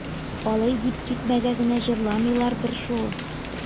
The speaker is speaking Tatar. Алай дип тикмәгә генә җырламыйлардыр шул.